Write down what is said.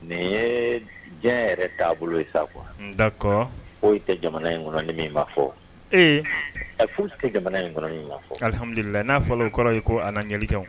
Nin ye diya yɛrɛ taabolo bolo ye sakɔ n da kɔrɔ o tɛ jamana in kɔnɔ min ma fɔ ee foyi tɛ jamana in kɔnɔ fɔhalilala n'a fɔra kɔrɔ ye ko a ɲali